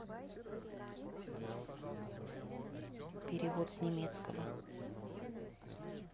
перевод с немецкого